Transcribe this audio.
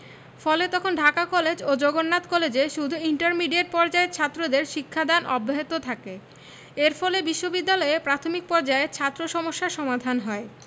ফলে তখন ঢাকা কলেজ ও জগন্নাথ কলেজে শুধু ইন্টারমিডিয়েট পর্যায়ের ছাত্রদের শিক্ষাদান অব্যাহত থাকে এর ফলে বিশ্ববিদ্যালয়ে প্রাথমিক পর্যায়ে ছাত্র সমস্যার সমাধান হয়